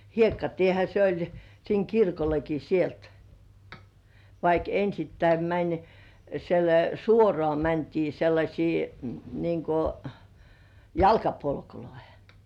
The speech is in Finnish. hiekkatiehän se oli siinä kirkollekin sieltä vaikka ensittäin meni - suoraan mentiin sellaisia niin kuin jalkapolkuihin